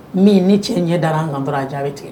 Min ni cɛ ɲɛ da an ka dɔrɔn a jaabi a bɛ tigɛ